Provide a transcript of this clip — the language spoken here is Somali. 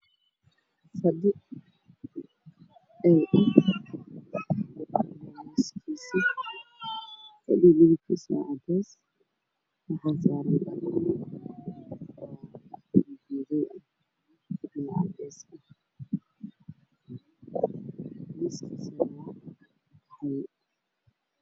Sawirka waxaa ka muuqda qol ayaaalaan fadhi farmaajo t v iyo daahiyo fadhiga midabkiisu waa cadaystaayadana waa caddays ka midabkiisu waa madow farmaajo midabkeeduna waa gaduud